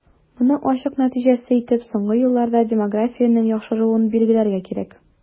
Моның ачык нәтиҗәсе итеп соңгы елларда демографиянең яхшыруын билгеләргә кирәк.